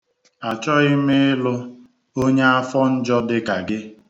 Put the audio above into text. A chọghị m ịlụ onye afọ njọ dịka gị.